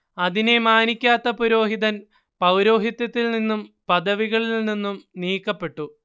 അതിനെ മാനിക്കാത്ത പുരോഹിതൻ പൗരോഹിത്യത്തിൽ നിന്നും പദവികളിൽ നിന്നും നീക്കപ്പെട്ടു